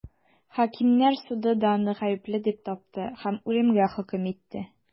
Хакимнәр суды да аны гаепле дип тапты һәм үлемгә хөкем итте.